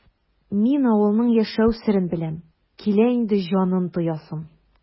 Мин авылның яшәү серен беләм, килә инде җанын тоясым!